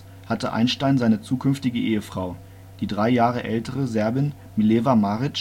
Einstein seine zukünftige Ehefrau, die drei Jahre ältere Serbin Mileva Maric